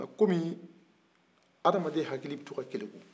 nga kɔmi hadamaden hakili bɛ to keleku